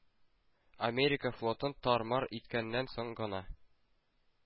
Америка флотын тар-мар иткәннән соң гына